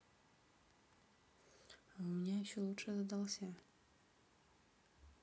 а у меня еще лучше задался